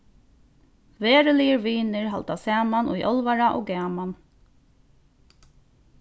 veruligir vinir halda saman í álvara og gaman